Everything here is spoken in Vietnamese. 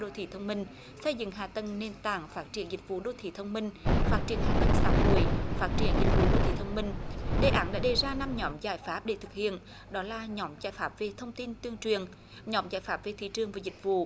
đô thị thông minh xây dựng hạ tầng nền tảng phát triển dịch vụ đô thị thông minh phát triển hạ tầng xã hội phát triển dịch vụ đô thị thông minh đề án đã đề ra năm nhóm giải pháp để thực hiện đó là nhóm giải pháp về thông tin tuyên truyền nhóm giải pháp về thị trường và dịch vụ